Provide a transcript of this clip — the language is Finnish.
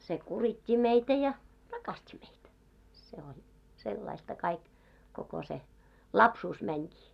se kuritti meitä ja rakasti meitä se on sellaista kaikki koko se lapsuus menikin